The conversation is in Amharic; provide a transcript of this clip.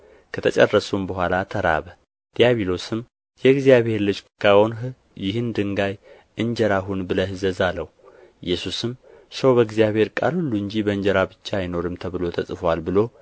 ከተጨረሱም በኋላ ተራበ ዲያብሎስም የእግዚአብሔር ልጅ ከሆንህ ይህን ድንጋይ እንጀራ ሁን ብለህ እዘዝ አለው ኢየሱስም ሰው በእግዚአብሔር ቃል ሁሉ እንጂ በእንጀራ ብቻ አይኖርም ተብሎ ተጽፎአል ብሎ